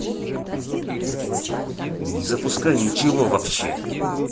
не запускай ничего вообще